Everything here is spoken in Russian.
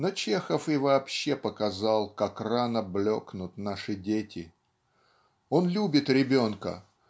но Чехов и вообще показал, как рано блекнут наши дети. Он любит ребенка